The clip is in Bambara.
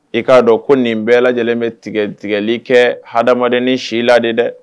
I k'a dɔn ko nin bɛɛ lajɛlen bɛ tigɛtigɛli kɛ hadamadennin si la de dɛ